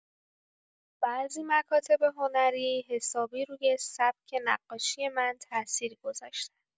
بعضی مکاتب هنری حسابی روی سبک نقاشی من تاثیر گذاشتن.